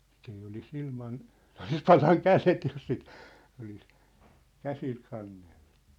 sitten ei olisi ilman se olisi palanut kädet jos sitten olisi käsillä kantanut